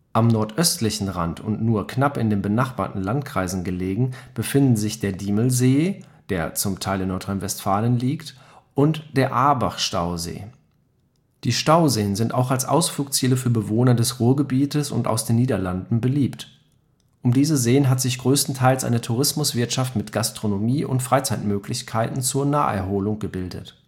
Am nordöstlichen Rand und nur knapp in den benachbarten Landkreisen gelegen, befinden sich der Diemelsee (liegt zum Teil in Nordrhein-Westfalen) und der Aabachstausee. Die Stauseen sind auch als Ausflugsziele für Bewohner des Ruhrgebiets und aus den Niederlanden beliebt. Um diese Seen hat sich größtenteils eine Tourismus-Wirtschaft mit Gastronomie und Freizeitmöglichkeiten zur Naherholung gebildet